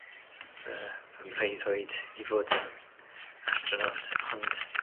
fy fy mhreuddwyd i fod yn astronaut ond